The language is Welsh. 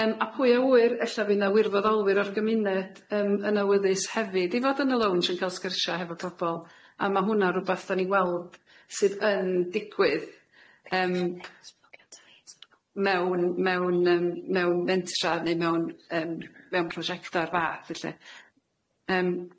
Yym a pwy a ŵyr ella fu' 'na wirfoddolwyr o'r gymuned yym yn awyddus hefyd i fod yn y lownj i ga'l sgyrsha hefo pobol a ma' hwnna rwbath 'dan ni weld sydd yn digwydd yym mewn mewn yym mewn mentra ne' mewn yym mewn proshiecta o'r fath lly yym